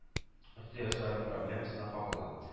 Ихтыяҗлары проблемасына кагыла